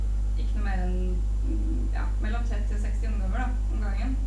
Ikke noe mer enn, ja, mellom tretti og seksti ungdommer, da, om gangen.